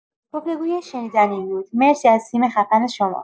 گفتگوی شنیدنی بود مرسی از تیم خفن شما